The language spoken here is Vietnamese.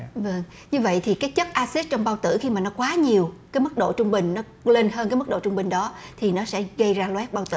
vâng như vậy thì các chất a xít trong bao tử khi mà nó quá nhiều các mức độ trung bình lên hơn cái mức độ trung bình đó thì nó sẽ gây ra loét bao tử